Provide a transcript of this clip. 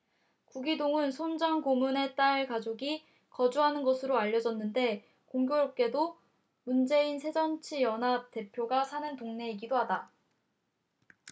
구기동은 손 전 고문의 딸 가족이 거주하는 것으로 알려졌는데 공교롭게도 문재인 새정치연합 대표가 사는 동네이기도 하다